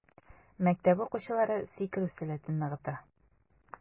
Мәктәп укучылары сикерү сәләтен ныгыта.